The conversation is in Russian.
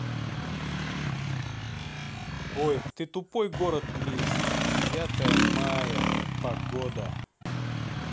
ой ты тупой город минск девятое мая погода